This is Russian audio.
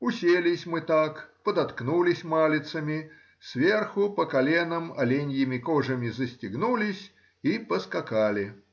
Уселись мы так, подоткнулись малицами, сверху по коленам оленьими кожами застегнулись и поскакали.